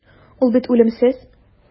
Ул бит үлемсез.